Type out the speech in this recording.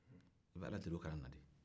i bɛ ala deli o kana na de